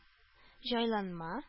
Җайланма